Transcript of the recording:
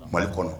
Mali kɔnɔ